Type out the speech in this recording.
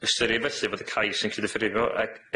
Ystyrir felly fod y cais yn gallu disgifio eg-